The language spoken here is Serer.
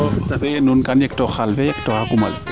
ka safe kan yektoox o xaalo le fo a kumale